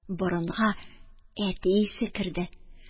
Борынга әти исе керде.